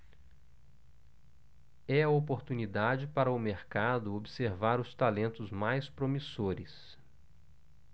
é a oportunidade para o mercado observar os talentos mais promissores